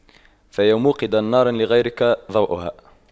فيا موقدا نارا لغيرك ضوؤها